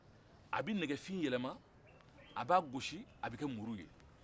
a bɛ nɛgɛfin yɛlɛma a b'a gosi a bɛ kɛ muru ye